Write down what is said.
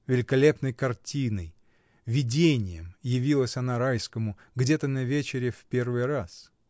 Великолепной картиной, видением явилась она Райскому где-то на вечере в первый раз.